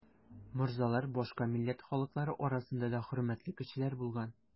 Морзалар башка милләт халыклары арасында да хөрмәтле кешеләр булган.